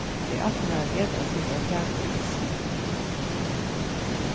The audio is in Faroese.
eg ætli mær at eta eitt sindur av kaku fyrst